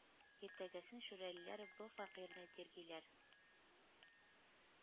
Иртәгесен шүрәлеләр бу фәкыйрьне тиргиләр: